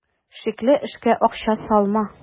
Шикле эшкә акча салма.